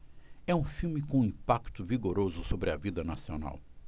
é um filme com um impacto vigoroso sobre a vida nacional